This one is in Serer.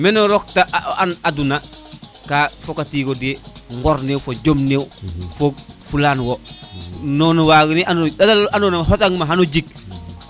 meno rok ta an aduna ka foka tide ŋor ne fo jom ne fo fula ne wo non wa inndata lu ando xotaga ma xanu jeg